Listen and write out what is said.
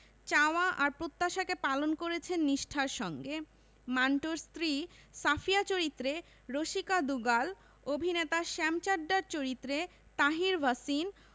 চাওয়া আর প্রত্যাশাকে পালন করেছেন নিষ্ঠার সঙ্গে মান্টোর স্ত্রী সাফিয়া চরিত্রে রসিকা দুগাল অভিনেতা শ্যাম চাড্ডার চরিত্রে তাহির ভাসিন